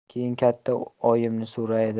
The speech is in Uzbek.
keyin katta oyimni so'raydi